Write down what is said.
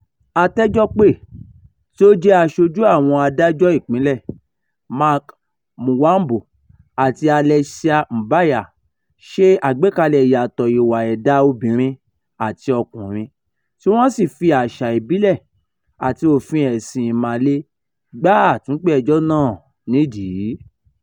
Atẹ́jọ́pè, tí ó jẹ́ aṣojú àwọn adájọ́ ìpínlẹ̀, Mark Mulwambo àti Alesia Mbuya, ṣe àgbékalẹ̀ ìyàtọ̀ ìwà ẹ̀dá obìnrin àti ọkùnrin tí wọ́n sì fi àṣà ìbílẹ̀ àti òfin ẹ̀sìn Ìmàle gbá àtúnpè-ẹjọ́ náà nídìí.